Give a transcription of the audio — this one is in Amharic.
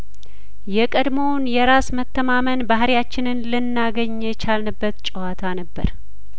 የቀድሞውን የራስ መተማመን ባህሪ ያችንን ልና ገኝ የቻልንበት ጨዋታ ነበር